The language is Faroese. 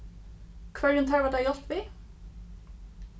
hvørjum tørvar tær hjálp við